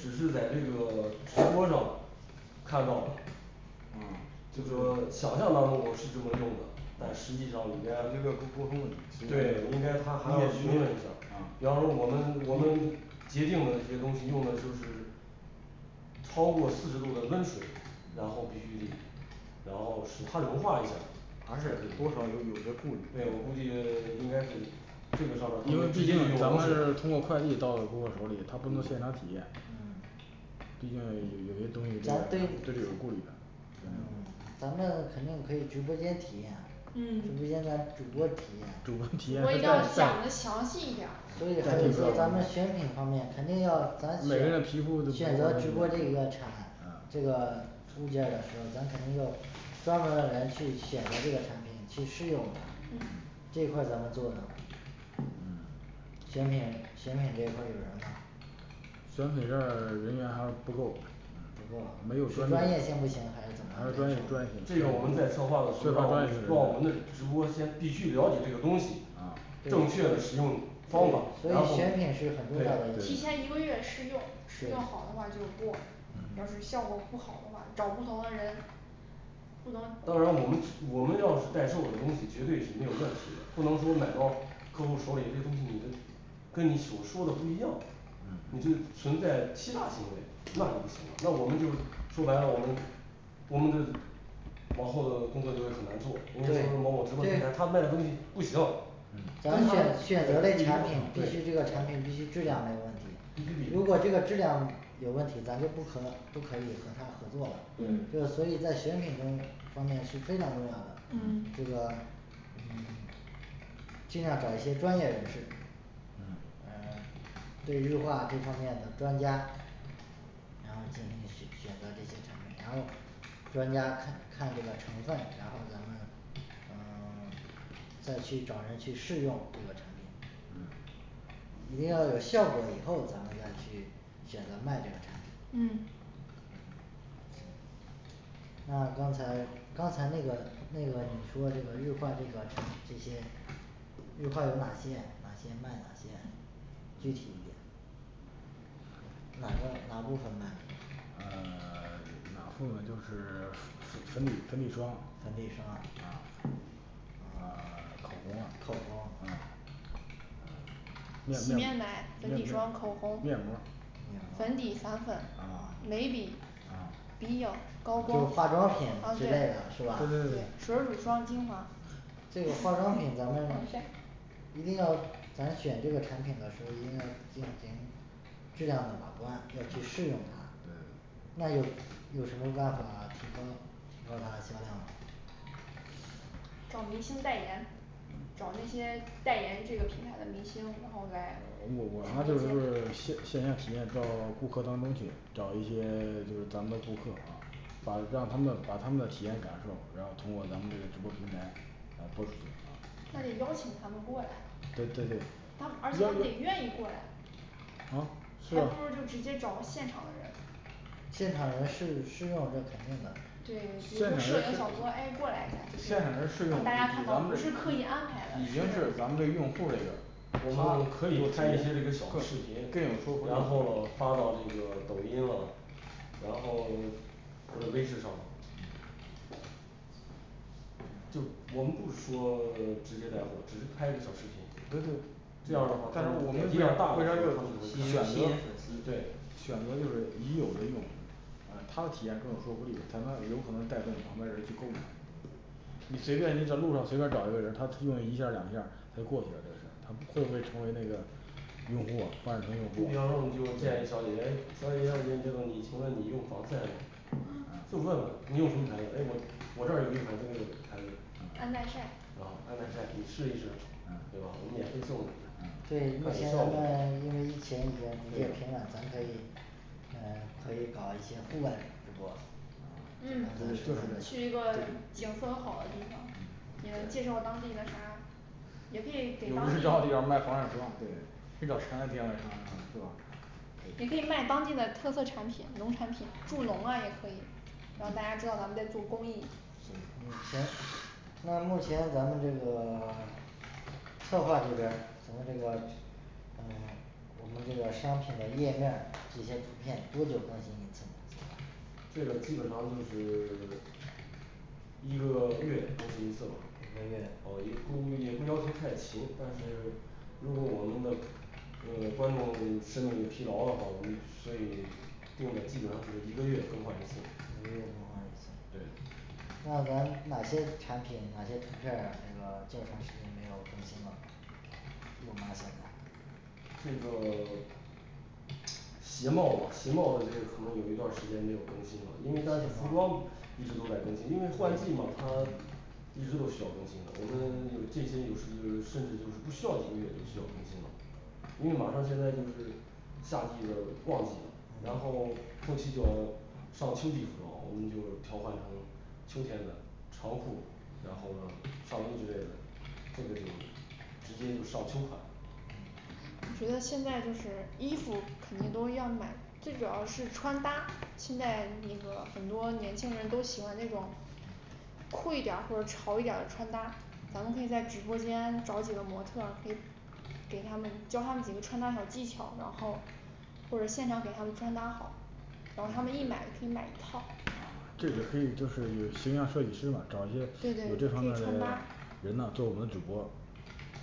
只是在这个直播上看到了嗯就是说想象当中我是这么用的，但实际上你应该该多沟通问题实际上吧对，毕应该他还要询竟理问一下，比解啊方说我们我们洁净的一些东西用的就是超过四十度的温水，然后必须得然后使它融化一下还儿才是可以对多少有有些顾虑估计 应该是这个上边儿他因们为都毕直接就竟用咱冷们水是通嗯过快递到顾客手里他不能现场体嗯验嗯毕竟嘞有有些东西是咱对他是有顾虑嗯的呃 咱们肯定可以直播间体验啊直嗯播间咱主播主播嗯主体体验验播一这定要个讲的详 细一点儿这所以还有说个咱们选品方面肯定要咱选每个人皮肤他选择直播这一个产这个都物件儿的时候咱肯定要有专门儿的人去选择这个产品去试用它嗯这块儿咱们做的选品选品这一块儿有人儿吗选品这儿人员还是不够不哇够啊没有宣是传专还业性不行还是是怎么专专业人业性所手这以个我说不们在行策划的时候让我们的让我们的直播间是必须了解这个东西，对所正对确啊的使用方法所然后以选对品是很重要的然后提对一步前一个月试用试用好的对话就过，要是效果不好的话找不同的人不当然我能们我们要是代售的东西绝对是没有问题的，不能说买到客户手里这东西你的跟你所说的不一样你是存在欺诈行为，那就不行了，我们就说白了我们我们的往后的工作就会很难做对，应该说这是某某直播平台他是卖的东西不行跟他不一这一类产品样对必须这个产品必须质量没有问必题，如果这个须得质量有问题，咱就不可不可以和他合作的，嗯这对个所以在选品中方面是非常重要的这嗯个嗯尽量找些专业人士呃 对日化这方面的专家然后进行需 选择这些产品然后专家看 看这个成分然后咱们呃 再去找人去试用这个产品一定要有效果以后咱们再去选择卖这个产品嗯嗯行那刚才刚才那个那个你说这个日化这个这些日化有哪些哪些卖哪些具体一点哪个哪部分卖呃的不好 哪部分就是 粉底粉底霜啊啊粉底霜呃 口口红红啊面洗面面面奶粉底霜口红面膜儿面粉底膜儿眉笔啊啊鼻影高就光水儿化妆品嗯之对类啊的是吧对对对对对水乳光精华这个化妆品咱 们防晒一定要咱选这个产品的时候一定要进行质量的把关要去试用它对那有有什么办法提高提高它的销量吗找明星代言，找那些代言这个平台的明星，然后来我我看这不是 线线下时间到顾客当中去找一些 就是咱的顾客啊把让他们把他们的体验感受然后通过咱们这个直播平台啊播出去那得邀请他们过来对对对而且他邀们得请愿意过来啊这还不如就直接找现场的人现场人试试用那可肯定的对比如摄影小哥诶过来一下现场就人试是现场人试用让就只能大家看到我们不是刻意安在排已的是经是咱们的用户儿这个他我们可以拍一些这个小做的实视验频更更有说服力，然后发到那个抖音啊然后 或者微视上头就嗯我们不直说 直接带货，只是拍个小视对频对这样儿的话他但是我们们为点为击量大了之啥要后有，他们吸引整选个吸引粉丝择对选择就是已有的用户呃他的体验更有说服力他呢有可能带动旁边儿的人去购买这东西你随便你搁路上随便儿找一个人儿，他涂了一下儿两下儿他就过去了这个事儿，它会不会成为那个用户啊发展成用你比方说你户就见一个小姐姐诶小姐姐小姐姐你别走，你请问你用防晒吗？就问问你用什么牌子诶，我我这儿有一款这个牌子安耐晒啊安耐晒你试一试对吧我们免费送嗯对你目看看前效咱果们因为疫情已经对逐渐平稳咱可以呃可以搞一些户外直播嗯嗯对去一个景色好的地方你要介绍当地那啥也可以给有当地日照做 的地方卖防晒霜儿对是吧也可以对卖当地的特色产品，农产品助农啊也可以然后大家知嗯道咱们在做公益去对行那目前咱们这个 策划这边儿咱们这个去 嗯我们这个商品的页面儿这些图片多久更新一次呢现在这个基本上就是 一个月更新一次吧，一啊个月也不也不要求太勤，但是如果我们的嗯观众审美疲劳的话我们所以定的基本上就是一个月更换一次一个月更换一次对那咱哪些产品哪些图片儿这个较长时间没有更新了？有吗现在这个 鞋帽吧鞋帽的这个可能有一段儿时间没有更新了，因为但是服装一直都在更新，因为换季嘛它 一直都需要更新了，我们有这些有时有甚至就是不需要几个月就需要更新了因为马上现在就是夏季的旺季了，然后 后期就要上秋季服装，我们就调换成秋天的长裤然后了上衣之类的这个就是直接就上秋款觉得现在就是衣服肯定都要买，最主要是穿搭，现在那个很多年轻人都喜欢那种酷一点儿或者潮一点儿的穿搭，咱们可以在直播间找几个模特儿，可以给他们教他们几个穿搭小技巧，然后或者现场给他们穿搭好，然后他嗯们一买可以对买一套这个可以就是 形象设计师嘛找一对对些有可这方以面穿的搭 人呐做我们主播